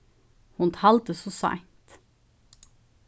hon taldi so seint